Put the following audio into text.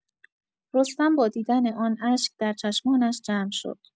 رستم با دیدن آن اشک در چشمانش جمع شد.